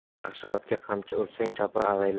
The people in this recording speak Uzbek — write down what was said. yaxshi otga qamchi ursang chopar avaylab